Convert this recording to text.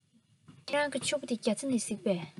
ཁྱེད རང གི ཕྱུ པ དེ རྒྱ ཚ ནས གཟིགས པས